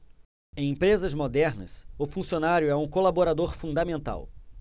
em empresas modernas o funcionário é um colaborador fundamental